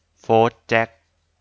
โฟธแจ็ค